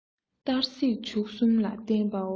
གཏར སྲེག བྱུག གསུམ ལ བརྟེན པའོ